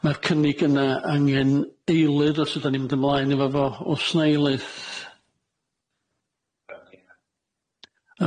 Ma'r cynnig yna angen eilydd os ydan ni'n mynd ymlaen efo fo o's 'na eilydd?